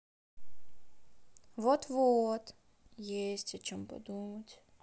вот вот есть о чем подумать